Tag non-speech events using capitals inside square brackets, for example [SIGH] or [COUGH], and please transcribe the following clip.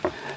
[HESITATION] [HESITATION]